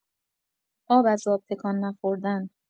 آب از آب تکان نخوردن